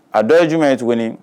A dɔ ye jumɛn ye tuguni?